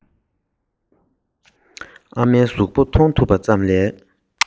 ཨ མའི གཟུགས པོ མཐོང ཐུབ པ ཙམ ལས